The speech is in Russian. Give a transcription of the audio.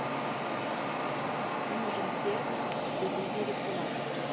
нужен сервис деливери клаб